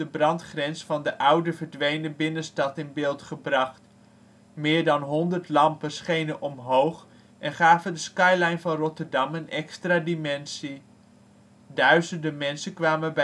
brandgrens van de oude - verdwenen - binnenstad in beeld gebracht. Meer dan honderd lampen schenen omhoog en gaven de skyline van Rotterdam een extra dimensie. Duizenden mensen kwamen